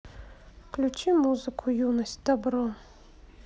включи музыку юность дабро